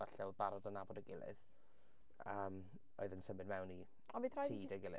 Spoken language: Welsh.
Falle oedd yn barod yn nabod eu gilydd, yym oedd yn symud mewn i... ond bydd raid... tŷ 'da ei gilydd.